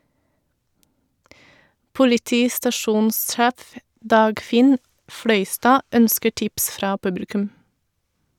Politistasjonssjef Dagfinn Fløystad ønsker tips fra publikum.